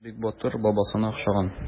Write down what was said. Ул бик батыр, бабасына охшаган.